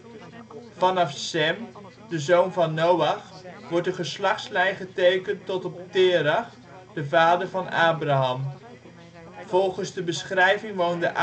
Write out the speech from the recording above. Vanaf Sem, een zoon van Noach, wordt een geslachtslijn getekend tot op Therah de vader van Abraham. Volgens de beschrijving woonde